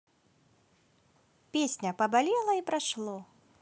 песня поболело и прошло